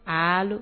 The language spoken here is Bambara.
Allo